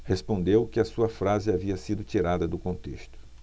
respondeu que a sua frase havia sido tirada do contexto